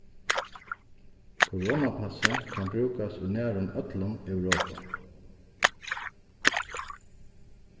koronapassið kann brúkast í nærum øllum europa